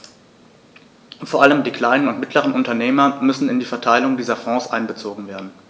Vor allem die kleinen und mittleren Unternehmer müssen in die Verteilung dieser Fonds einbezogen werden.